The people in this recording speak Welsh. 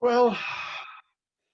Wel